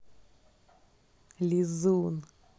лизун